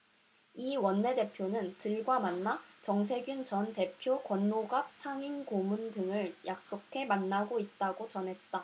이 원내대표는 들과 만나 정세균 전 대표 권노갑 상임고문 등을 약속해 만나고 있다고 전했다